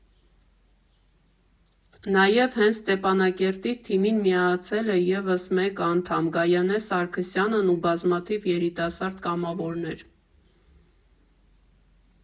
Նաև հենց Ստեփանակերտից թիմին միացել է ևս մեկ անդամ՝ Գայանե Սարգսյանն ու բազմաթիվ երիտասարդ կամավորներ։